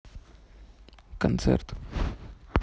концерт